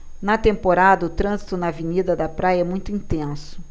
na temporada o trânsito na avenida da praia é muito intenso